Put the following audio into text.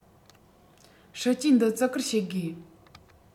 སྲིད ཇུས འདི བརྩི བཀུར བྱེད དགོས